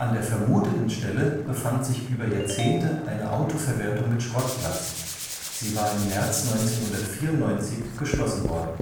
der vermuteten Stelle befand sich über Jahrzehnte eine Autoverwertung mit Schrottplatz; sie war im März 1994 geschlossen worden